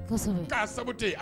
kɔsɛbɛ ka sabu to yan.